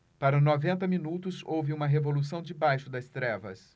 para noventa minutos houve uma revolução debaixo das traves